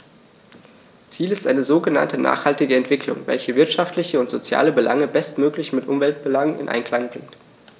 Ziel ist eine sogenannte nachhaltige Entwicklung, welche wirtschaftliche und soziale Belange bestmöglich mit Umweltbelangen in Einklang bringt.